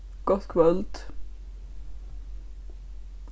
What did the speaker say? gott kvøld